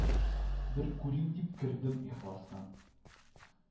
Бер күрим, дип, кердем ихластан